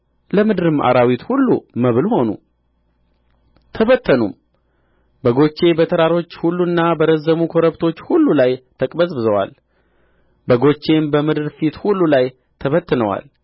ለምድርም አራዊት ሁሉ መብል ሆኑ ተበተኑም በጎቼ በተራሮች ሁሉና በረዘሙ ኮረብቶች ሁሉ ላይ ተቅበዝብዘዋል በጎቼም በምድር ፊት ሁሉ ላይ ተበትነዋል